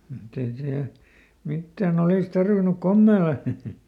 mutta ei siellä mitään olisi tarvinnut komeilla